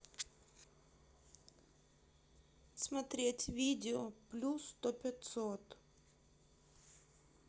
смотреть видео плюс сто пятьсот